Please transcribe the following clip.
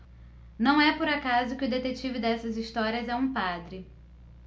não é por acaso que o detetive dessas histórias é um padre